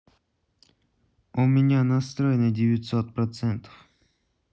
у меня настрой на девятьсот процентов